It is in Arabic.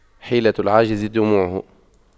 حيلة العاجز دموعه